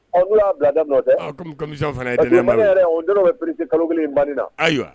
Y'a bila da dɛ bɛ psi kalo kelen in na